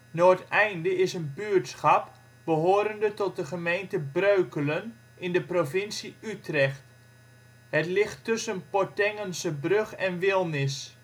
Noordeinde is een buurtschap behorende tot de gemeente Breukelen in de provincie Utrecht. Het ligt tussen Portengense Brug en Wilnis